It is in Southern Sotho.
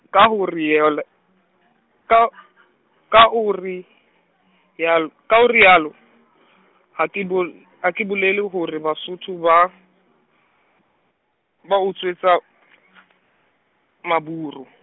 ka ho re yale-, ka , ka hore yal-, ka hore yalo, ha ke bo, ha ke bolele ho re Basotho ba, ba utswetsa , maburu.